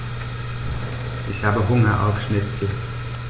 Ich habe Hunger auf Schnitzel.